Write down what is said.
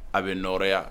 A bɛ nɔrɔya